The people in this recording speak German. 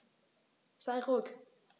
Sei ruhig.